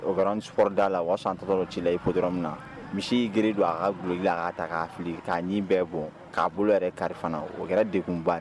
O kɛraɔ rda'a la waa tɔɔrɔ ci la i koo dɔrɔnɔrɔ min na misi gi don a ka gileki la ka ta ka fili ka ɲi bɛɛ bɔ ka bolo yɛrɛ kari fana. O kɛra dekun ba ye